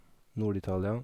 Nord-Italia.